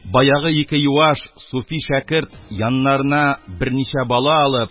Баягы ике юаш, суфи шәкерт, яннарына берничә бала алып,